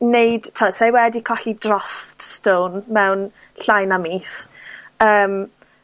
neud t'od sa 'i wedi colli drost stone mewn llai na mis yym